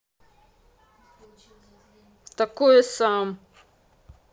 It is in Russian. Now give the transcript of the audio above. такое сам